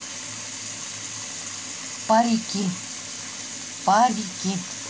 парики